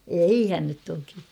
eihän nyt toki